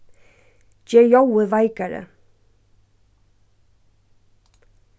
ger ljóðið veikari